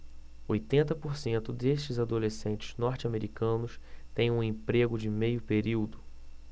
oitenta por cento desses adolescentes norte-americanos têm um emprego de meio período